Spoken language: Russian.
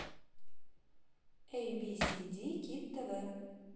эй би си ди кид тв